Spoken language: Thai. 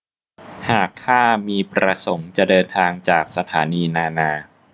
หากข้ามีประสงค์จะเดินทางจากสถานีนานา